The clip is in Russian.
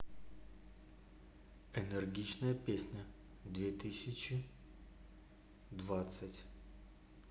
энергичная песня две тысячи двадцать